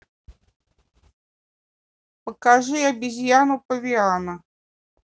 покажи обезьяну павиана